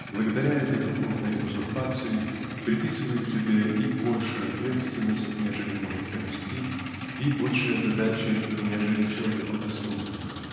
благодаря этой духовной узурпации приписывает себе и большую ответственность нежели может понести и большие задачи нежели человеку доступны.